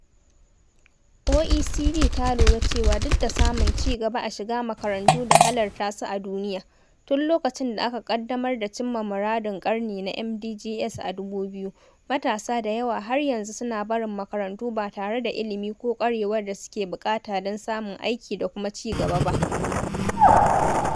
OECD ta lura cewa duk da samun ci gaba a shiga makarantu da halarta su a duniya, tun lokacin da aka ƙaddamar da cimma muradun ƙarni na MDGs a 2000, matasa da yawa har yanzu suna barin makarantu ba tare da ilimi ko ƙwarewar da suke buƙata don samun aiki da kuma ci gaba ba.